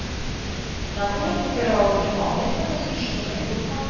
Натурам күтәрә алмый, аңлыйсыңмы син шуны, юкмы